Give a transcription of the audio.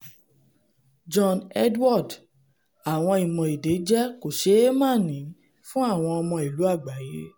John Edward: Àwọn ìmọ̀ èdè jẹ kòṣeémáàní fún àwọn ọmọ ìlú àgbáyé